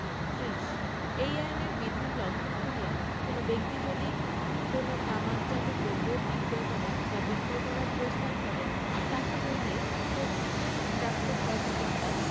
৩০ এই আইনের বিধান লংঘন করিয়া কোন ব্যক্তি যদি কোন তামাকজাত দ্রব্য বিক্রয় করেন বা বিক্রয় করার প্রস্তাব করেন তাহা হইলে কর্তৃত্বপ্রাপ্ত কর্মকর্তা